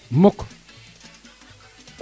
mukk